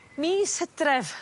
Mis Hydref